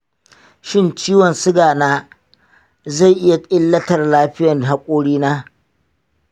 shin ciwon siga na zai iya illatar lafiyan haƙori na?